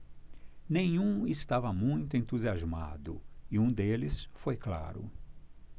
nenhum estava muito entusiasmado e um deles foi claro